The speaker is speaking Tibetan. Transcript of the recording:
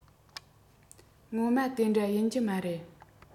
ངོ མ དེ འདྲ ཡིན གྱི མ རེད